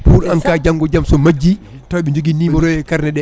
pour en cas janggo e jaam so majji taw eɓe jogui numéro e carnet ɗe